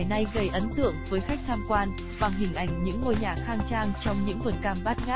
lục ngạn ngày nay gây ấn tượng với khách tham quan bằng hình ảnh những ngôi nhà tầng khang trang trong những vườn cam bát ngát